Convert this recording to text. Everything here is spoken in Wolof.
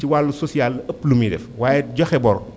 ci wàllu social la ëpp lu muy def waaye it joxe bor